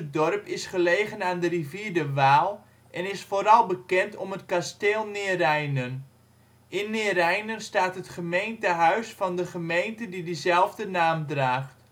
dorp is gelegen aan de rivier de Waal en is vooral bekend om het Kasteel Neerijnen. In Neerijnen staat het gemeentehuis van de gemeente die dezelfde naam draagt